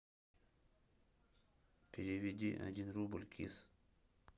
переведи один рубль кис